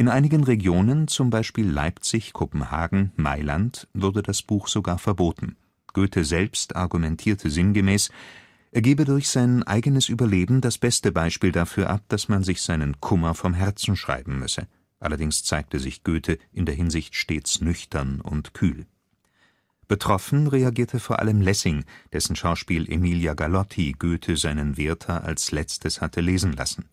einigen Regionen (z.B. Leipzig, Kopenhagen, Mailand) wurde das Buch sogar verboten. Goethe selbst argumentierte sinngemäß, er gebe durch sein eigenes Überleben das beste Beispiel dafür ab, dass man sich seinen Kummer vom Herzen schreiben müsse. Allerdings zeigte sich Goethe in der Hinsicht stets nüchtern und kühl. Betroffen reagierte vor allem Lessing, dessen Schauspiel „ Emilia Galotti “Goethe seinen Werther als letztes hatte lesen lassen